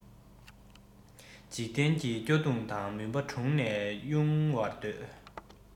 འཇིག རྟེན གྱི སྐྱོ གདུང དང མུན པ དྲུངས ནས དབྱུང བར འདོད